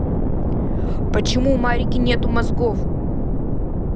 почему у марики нету мозгов